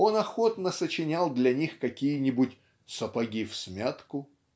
Он охотно сочинял для них какие-нибудь "Сапоги всмятку"